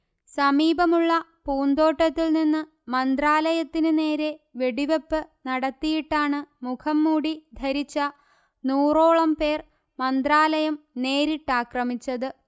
സമീപമുള്ള പൂന്തോട്ടത്തില്നിന്ന്മന്ത്രാലയത്തിൻനേരെ വെടിവെപ്പ് നടത്തിയിട്ടാണ് മുഖംമൂടി ധരിച്ച നൂറോളം പേർ മന്ത്രാലയം നേരിട്ടാക്രമിച്ചത്